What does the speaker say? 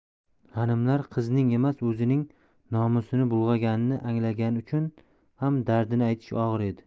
g'animlar qizining emas o'zining nomusini bulg'aganini anglagani uchun ham dardini aytish og'ir edi